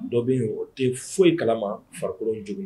Dɔ bɛ o tɛ foyi kalama farak jugu